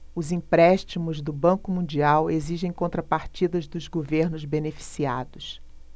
os empréstimos do banco mundial exigem contrapartidas dos governos beneficiados